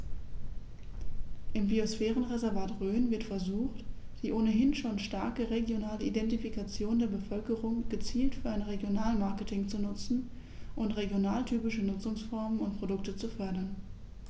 Im Biosphärenreservat Rhön wird versucht, die ohnehin schon starke regionale Identifikation der Bevölkerung gezielt für ein Regionalmarketing zu nutzen und regionaltypische Nutzungsformen und Produkte zu fördern.